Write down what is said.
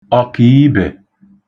ọkìibe